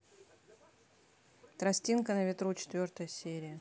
тростинка на ветру четвертая серия